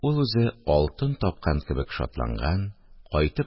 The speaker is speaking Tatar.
Ул үзе алтын тапкан кебек шатланган, кайтып